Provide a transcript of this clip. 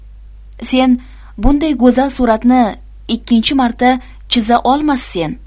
sen bunday go'zal suratni ikkinchi marta chiza olmassen